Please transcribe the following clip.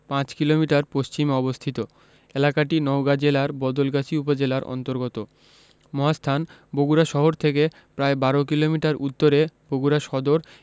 ৫ kilometre পশ্চিমে অবস্থিত এলাকাটি নওগাঁ জেলার বদলগাছি উপজেলার অন্তর্গত মহাস্থান বগুড়া শহর থেকে প্রায় ১২ কিলোমিটার উত্তরে বগুড়া সদর